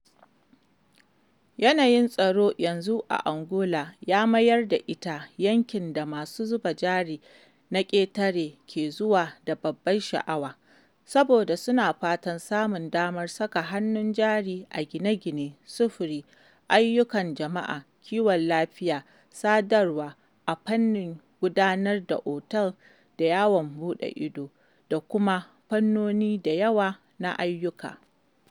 Yanayin tsaro yanzu a Angola ya mayar da ita yankin da masu zuba jari na ƙetare ke zuwa da babbar sha’awa, saboda suna fatan samun damar saka hannun jari a gine-gine, sufuri, ayyukan jama’a, kiwon lafiya, sadarwa, a fannin gudanar da otal da yawon buɗe ido, da kuma fannoni da yawa na ayyuka .”